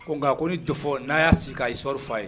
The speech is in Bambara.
Ko nka ko ni dɔ fɔ n'a y'a k'isɔrɔri' a ye